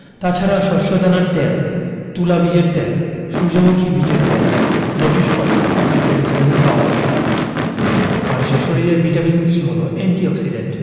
তাছাড়া শস্যদানার তেল তুলা বীজের তেল সূর্যমুখী বীজের তেল লেটুস পাতা ইত্যাদিতে ভিটামিন ই পাওয়া যায় মানুষের শরীরে ভিটামিন ই হলো এন্টি অক্সিডেন্ট